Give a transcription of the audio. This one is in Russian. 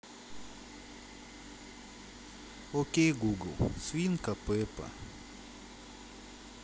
окей гугл свинка пеппа